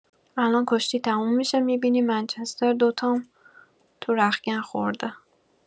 الان کشتی تموم می‌شه می‌بینی منچستر دوتام توو رختکن خورده